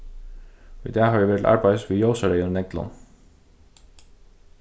í dag havi eg verið til arbeiðis við ljósareyðum neglum